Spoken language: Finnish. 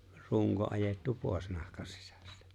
runko ajettu pois nahkan sisästä